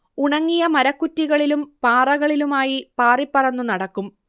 ഉണങ്ങിയ മരക്കുറ്റികളിലും പാറകളിലുമായി പാറിപ്പറന്നു നടക്കും